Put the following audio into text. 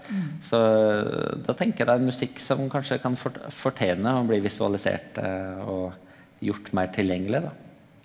så da tenker eg det er musikk som kanskje kan fortene å bli visualisert og gjort meir tilgjengeleg da.